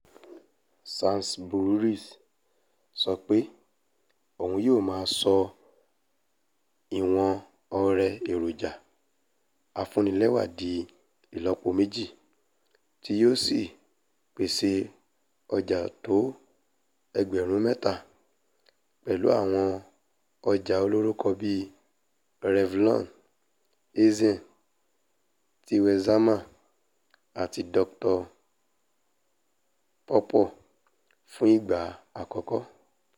Sainsbury's sọ pé òun yóò máa sọ ìwọn ọrẹ érójà afúnnilẹ́wà di ìlọ́poméjì tí yóò sì pèsè ọjà to ẹgbẹ̀rún mẹ́ta, pẹ̀lú àwọn ọjà olórúkọ bíi Revlon, Essie, Tweezerman àti Dr. PawPaw fún ìgbà àkọ́kọ́.